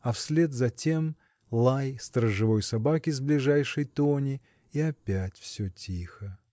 а вслед за тем лай сторожевой собаки с ближайшей тони и опять все тихо.